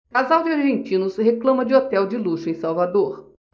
casal de argentinos reclama de hotel de luxo em salvador